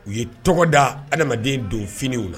U ye tɔgɔ da adama donfw la